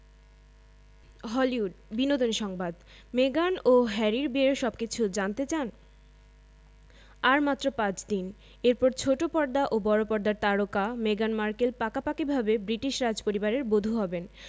Hollywood বিনোদন সংবাদ মেগান ও হ্যারির বিয়ের সবকিছু জানতে চান আর মাত্র পাঁচ দিন এরপর ছোট পর্দা ও বড় পর্দার তারকা মেগান মার্কেল পাকাপাকিভাবে ব্রিটিশ রাজপরিবারের বধূ হবেন